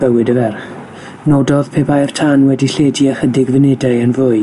bywyd y ferch. Nododd pe bai'r tân wedi lledu ychydig funudau yn fwy